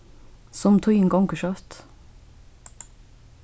sum tíðin gongur skjótt